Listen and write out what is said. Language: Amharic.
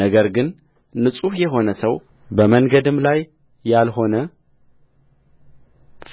ነገር ግን ንጹሕ የሆነ ሰው በመንገድም ላይ ያልሆነ